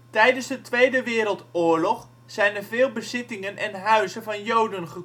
Tijdens de Tweede Wereldoorlog zijn er veel bezittingen en huizen van joden